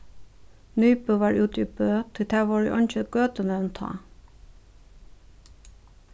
nybo var úti í bø tí tað vóru eingi gøtunøvn tá